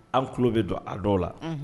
An tulo bɛ don a dɔw la unhun